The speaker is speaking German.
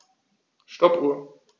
Stoppuhr.